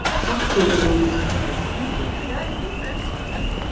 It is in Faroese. koltur er lítil